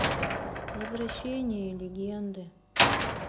возвращение легенды